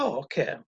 o oce